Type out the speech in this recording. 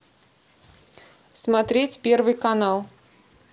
смотреть первый канал